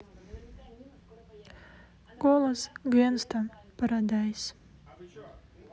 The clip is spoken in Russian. голос гэнста парадайз